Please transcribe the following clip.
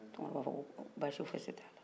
tunkaraw ko awɔ basi foyi tɛ a la